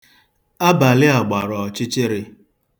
Abalị a gbara ọchịchịrị.